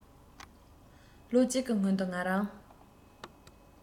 ལོ གཅིག གི སྔོན དུ ང རང